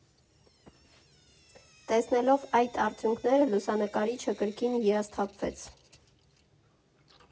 Տեսնելով այդ արդյունքները՝ լուսանկարիչը կրկին հիասթափվեց։